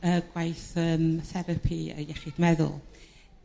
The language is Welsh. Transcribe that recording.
y gwaith yrm therapi a iechyd meddwl.